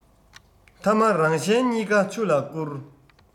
ཐ མ རང གཞན གཉིས ཀ ཆུ ལ བསྐུར